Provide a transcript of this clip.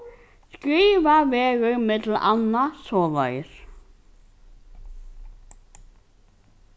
skrivað verður millum annað soleiðis